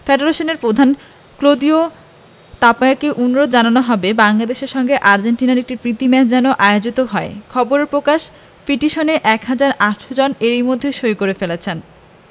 ফেডারেশনের প্রধান ক্লদিও তাপিয়াকে অনুরোধ জানানো হবে বাংলাদেশের সঙ্গে আর্জেন্টিনার একটি প্রীতি ম্যাচ যেন আয়োজিত হয় খবরে প্রকাশ পিটিশনে ১ হাজার ৮০০ জন এরই মধ্যে সই দিয়ে ফেলেছেন